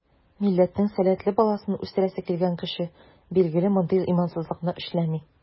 Милләтнең сәләтле баласын үстерәсе килгән кеше, билгеле, мондый имансызлыкны эшләми.